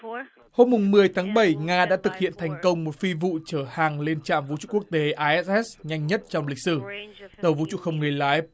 hôm mùng mười tháng bảy nga đã thực hiện thành công một phi vụ chở hàng lên trạm vũ trụ quốc tế ai s s nhanh nhất trong lịch sử tàu vũ trụ không người lái